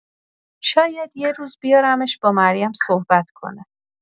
شاید یه روز بیارمش با مریم صحبت کنه.